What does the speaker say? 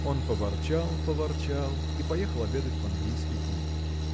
Он поворчал, поворчал и поехал обедать в английский клуб.